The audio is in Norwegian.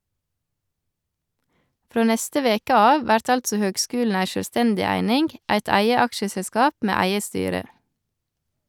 Frå neste veke av vert altså høgskulen ei sjølvstendig eining, eit eige aksjeselskap med eige styre.